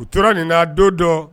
U tora nin na don dɔ